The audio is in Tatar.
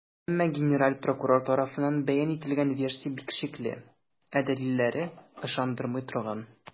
Әмма генераль прокурор тарафыннан бәян ителгән версия бик шикле, ә дәлилләре - ышандырмый торган.